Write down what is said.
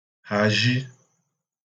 hàzhi